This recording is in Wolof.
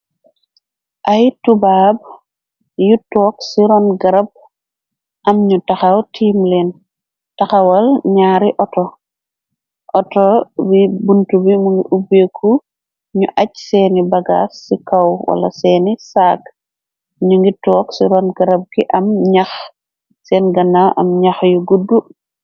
Ay tubaab yu took ci ron garab am ñu taxaw tiim leen taxawal ñyaari auto auto bi bunt bi mu ngi ubbeeku ñu aj seeni bagaar ci kaw wala seeni saak ñu ngi toog ci ron garab gi am ñax seen ganna am ñax yu gudd.